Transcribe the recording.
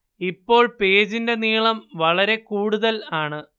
ഇപ്പോൾ പേജിന്റെ നീളം വളരെ കൂടുതൽ ആണ്